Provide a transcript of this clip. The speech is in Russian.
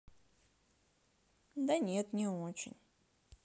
да нет не очень